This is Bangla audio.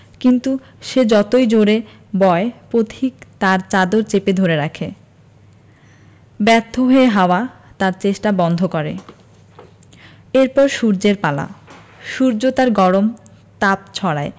কিন্তু সে যতই জোড়ে বয় পথিক তার চাদর চেপে ধরে রাখে ব্যর্থ হয়ে হাওয়া তার চেষ্টা বন্ধ করে এর পর সূর্যের পালা সূর্য তার গরম তাপ ছড়ায়